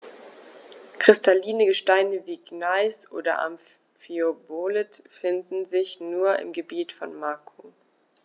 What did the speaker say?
Kristalline Gesteine wie Gneis oder Amphibolit finden sich nur im Gebiet von Macun.